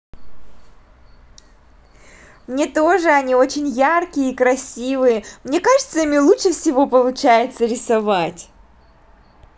мне тоже они очень яркие и красивые мне кажется ими лучше всего получается рисовать